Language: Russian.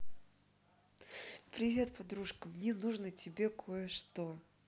привет подружка мне надо тебе кое что